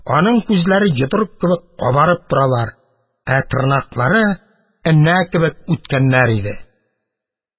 Аның күзләре йодрык кебек кабарып торалар, ә тырнаклары энә кебек үткеннәр иде.